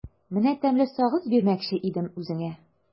Менә тәмле сагыз бирмәкче идем үзеңә.